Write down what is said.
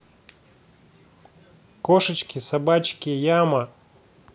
кошечки собачки яма